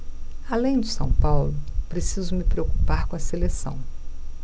além do são paulo preciso me preocupar com a seleção